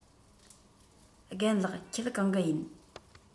རྒན ལགས ཁྱེད གང གི ཡིན